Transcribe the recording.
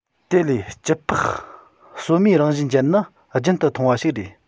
དེ ལས སྐྱི ལྤགས ཟོལ མའི རང བཞིན ཅན ནི རྒྱུན དུ མཐོང བ ཞིག རེད